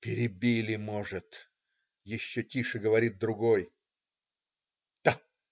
"Перебили, может",- еще тише говорит другой. Та!